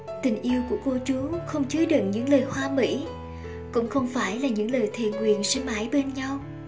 tình yêu của cô chú không chứa đựng những lời hoa mỹ cũng không phải là những lời thề nguyền sẽ mãi bên nhau